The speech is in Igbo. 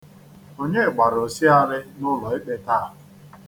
Onye gbara osialị n'ụlọikpe taa?